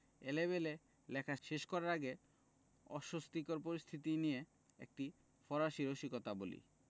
এলেবেলে লেখা শেষ করার আগে অস্বস্তিকর পরিস্থিতি নিয়ে একটি ফরাসি রসিকতা বলি